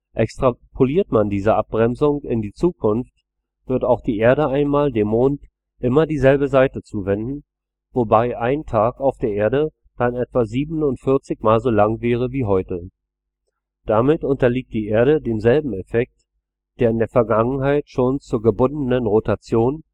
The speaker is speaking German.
Extrapoliert man diese Abbremsung in die Zukunft, wird auch die Erde einmal dem Mond immer dieselbe Seite zuwenden, wobei ein Tag auf der Erde dann etwa siebenundvierzig Mal so lang wäre wie heute. Damit unterliegt die Erde demselben Effekt, der in der Vergangenheit schon zur gebundenen Rotation